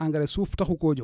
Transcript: engrais suuf taxu koo jóg